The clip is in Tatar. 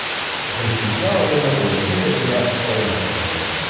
Зөлхиҗҗә аеның унынчы көнендә үткәрелә торган бәйрәм.